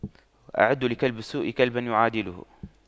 أعدّوا لكلب السوء كلبا يعادله